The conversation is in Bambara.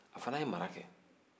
a fana ye mara kɛ